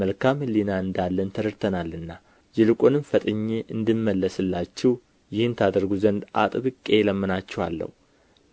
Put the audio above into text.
መልካም ሕሊና እንዳለን ተረድተናልና ይልቁንም ፈጥኜ እንድመለስላችሁ ይህን ታደርጉ ዘንድ አጥብቄ እለምናችኋለሁ